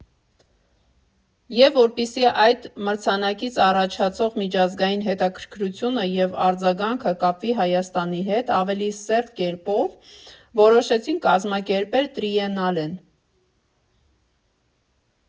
Եվ որպեսզի այդ մրցանակից առաջացող միջազգային հետաքրքրությունը և արձագանքը կապվի Հայաստանի հետ ավելի սերտ կերպով, որոշեցինք կազմակերպել տրիենալեն։